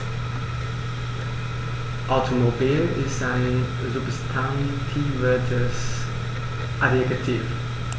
Automobil ist ein substantiviertes Adjektiv.